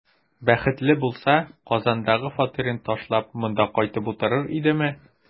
Бәхетле булса, Казандагы фатирын ташлап, монда кайтып утырыр идеме?